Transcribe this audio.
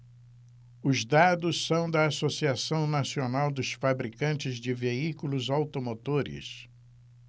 os dados são da anfavea associação nacional dos fabricantes de veículos automotores